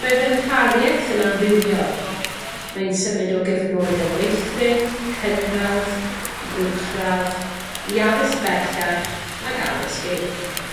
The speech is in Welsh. Mae'r ddarparieth yn amrywiol, mae'n symud o gyfnode meithrin, cynradd, i uwchradd, i addysg bellach, ac addysg uwch.